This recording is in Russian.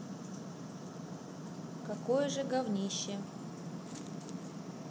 какое же говнище